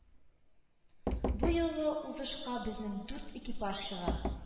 Бу юлы узышка безнең дүрт экипаж чыга.